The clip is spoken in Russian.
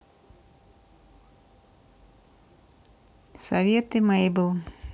советы мэйбл